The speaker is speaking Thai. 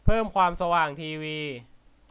เพิ่มความสว่างทีวี